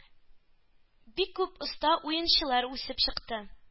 Бик күп оста уенчылар үсеп чыкты.